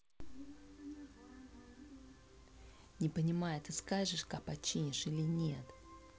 не понимаю ты скажешь ка починишь или нет